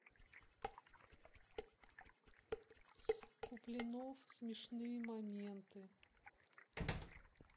куплинов смешные моменты